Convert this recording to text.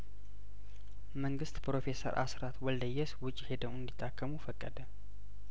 መንግስት ፕሮፌሰር አስራት ወልደየስ ውጪ ሄደው እንዲ ታከሙ ፈቀደ